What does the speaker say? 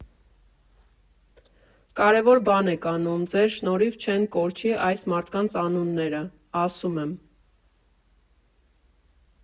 «Կարևոր բան եք անում, ձեր շնորհիվ չեն կորչի այս մարդկանց անունները», ֊ ասում եմ։